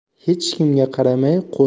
hech kimga qaramay